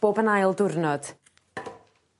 bob yn ail dwrnod.